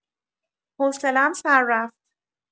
حوصلم سر رفت